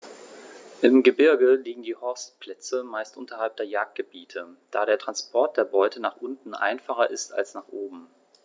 Im Gebirge liegen die Horstplätze meist unterhalb der Jagdgebiete, da der Transport der Beute nach unten einfacher ist als nach oben.